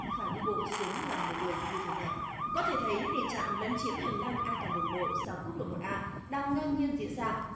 phải đi bộ xuống lòng lề đường như thế này có thể thấy tình trạng lấn chiếm hành lang an toàn đường bộ dọc quốc lộ một a đang ngang nhiên diễn ra